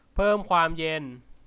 เพิ่มความเย็น